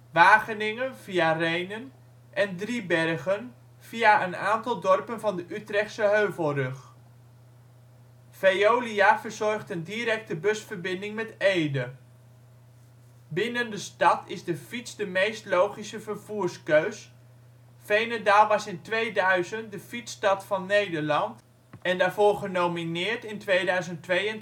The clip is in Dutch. Wageningen (via Rhenen) en Driebergen (via een aantal dorpen van de Utrechtse Heuvelrug). Veolia verzorgt een directe busverbinding met Ede. Binnen de stad is de fiets de meest logische vervoerskeus, Veenendaal was in 2000 de Fietsstad van Nederland en daarvoor genomineerd in 2002 en 2008